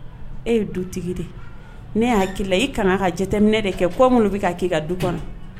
E ye dutigi de ne y'ala i kana ka jateminɛ ne de kɛ kɔ minnu bɛ k' ka du kɔnɔ